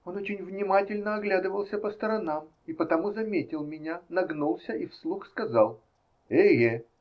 Он очень внимательно оглядывался по сторонам и потому заметил меня, нагнулся и вслух сказал: "Эге!